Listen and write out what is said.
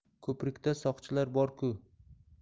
ko'prikda soqchilar bor ku